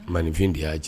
Maninfin de y'a